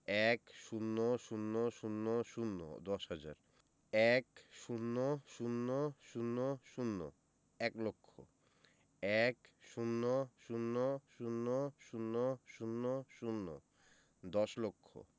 ১০০০০ দশ হাজার ১০০০০০ এক লক্ষ ১০০০০০০ দশ লক্ষ